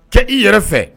Kɛ i yɛrɛ fɛ.